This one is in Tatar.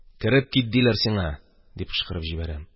Кереп кит, диләр сиңа! – дип кычкырып җибәрәм